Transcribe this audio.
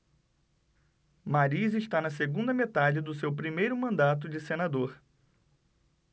mariz está na segunda metade do seu primeiro mandato de senador